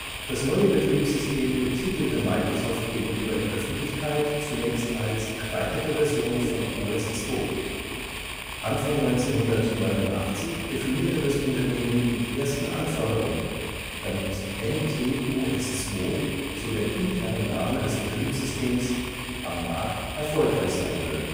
Das neue Betriebssystem betitelte Microsoft gegenüber der Öffentlichkeit zunächst als erweiterte Version von OS/2. Anfang 1989 definierte das Unternehmen die ersten Anforderungen, damit NT OS/2, so der interne Name des Betriebssystems, am Markt erfolgreich sein würde